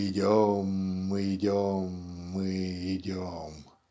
Мы идем, мы идем, мы идем".